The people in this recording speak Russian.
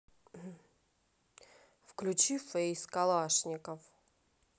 включи фейс калашников